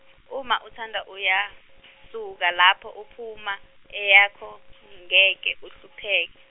uma uthanda uyasuka lapho uphuma, eyakho ngeke uhlupheke.